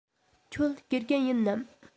ཁྱོད དགེ རྒན ཡིན ནམ